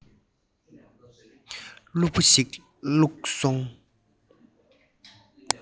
སློབ བུ ཞིག བརྒྱུགས ཡོང